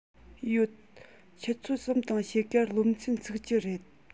ཡོད ཆུ ཚོད གསུམ དང ཕྱེད ཀར སློབ ཚན ཚུགས ཀྱི རེད